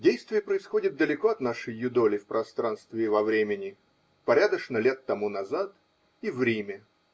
. Действие происходит далеко от нашей юдоли в пространстве и во времени -- порядочно лет тому назад и в Риме.